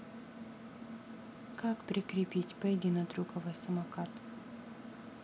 как прикрепить пегги на трюковой самокат